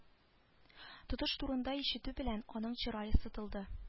Тотыш турында ишетү белән аның чырае сытылды